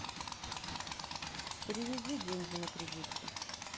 переведи деньги на кредитку